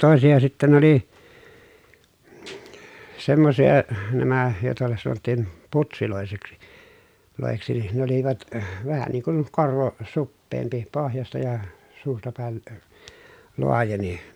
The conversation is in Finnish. toisia sitten ne oli semmoisia nämä joita sanottiin putseiksi - niin ne olivat vähän niin kuin korvo suppeampi pohjasta ja suusta päin - laajeni